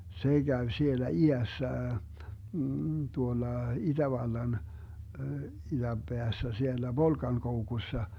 se kävi siellä idässä tuolla itävallan idänpäässä siellä Volkankoukussa